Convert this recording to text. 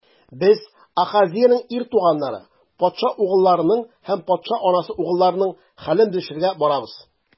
Без - Ахазеянең ир туганнары, патша угылларының һәм патша анасы угылларының хәлен белешергә барабыз.